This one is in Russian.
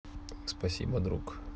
спасибо друг